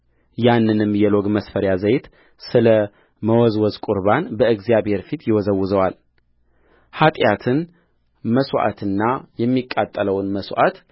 ያንንም የሎግ መስፈሪያ ዘይት ስለ መወዝወዝ ቍርባን በእግዚአብሔር ፊት ይወዘውዘዋልየኃጢአትን መሥዋዕትና የሚቃጠለውን መሥዋዕት